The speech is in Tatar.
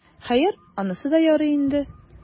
Хәер, анысы да ярый инде.